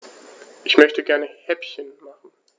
Ich möchte gerne Häppchen machen.